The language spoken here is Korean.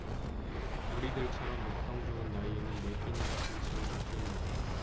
우리들처럼 먹성 좋은 나이에는 매 끼니가 잔치고 축제입니다